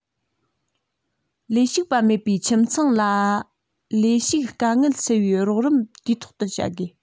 ལས ཞུགས པ མེད པའི ཁྱིམ ཚང ལ ལས ཞུགས དཀའ ངལ སེལ བའི རོགས རམ དུས ཐོག ཏུ བྱ དགོས